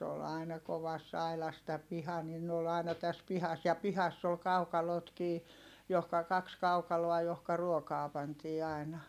se oli aina kovassa aidassa tämä piha niin ne oli aina tässä pihassa ja pihassa oli kaukalotkin johonka kaksi kaukaloa johon ruokaa pantiin aina